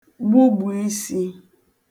gbugbù isī